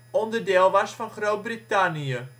onderdeel was van Groot-Brittannië